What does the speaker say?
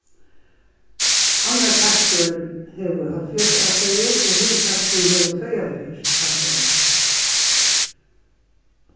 annar partur hevur hálvfjerðs áseyðir og hin parturin hevur tveyoghálvfjerðs áseyðir